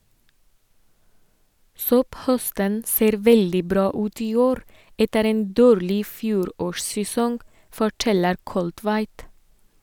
- Sopphøsten ser veldig bra ut i år, etter en dårlig fjorårssesong, forteller Kolltveit.